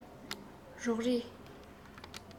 རོགས རེས